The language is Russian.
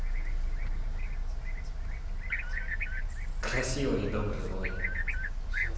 красивый и добрый злой